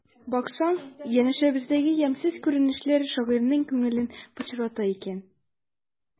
Баксаң, янәшәбездәге ямьсез күренешләр шагыйрьнең күңелен пычрата икән.